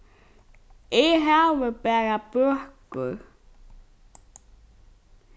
eg havi bara bøkur